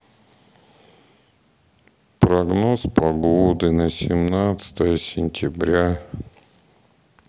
прогноз погоды на семнадцатое сентября